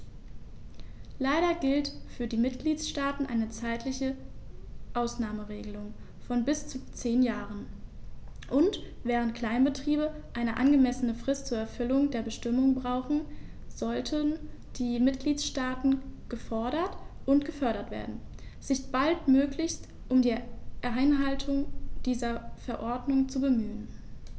Leider gilt für die Mitgliedstaaten eine zeitliche Ausnahmeregelung von bis zu zehn Jahren, und, während Kleinbetriebe eine angemessene Frist zur Erfüllung der Bestimmungen brauchen, sollten die Mitgliedstaaten gefordert und gefördert werden, sich baldmöglichst um die Einhaltung dieser Verordnung zu bemühen.